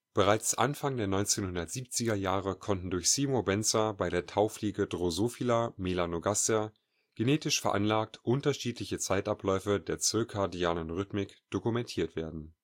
Bereits Anfang der 1970er Jahre konnten durch Seymour Benzer bei der Taufliege Drosophila melanogaster genetisch veranlagt unterschiedliche Zeitabläufe der circadianen Rhythmik dokumentiert werden